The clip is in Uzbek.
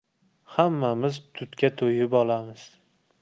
hammamiz tutga to'yib olamiz